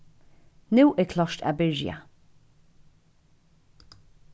nú er klárt at byrja